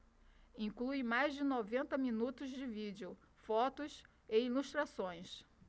inclui mais de noventa minutos de vídeo fotos e ilustrações